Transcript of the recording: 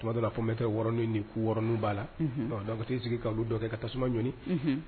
Dɔ'a n ne tɛɔrɔnin ninɔrɔnin b'a la dɔgɔ'i sigi k' kɛ ka tasumaj